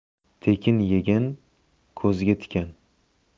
tekin yegan ko'zga tikan